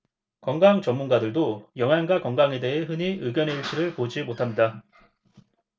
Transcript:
건강 전문가들도 영양과 건강에 대해 흔히 의견의 일치를 보지 못합니다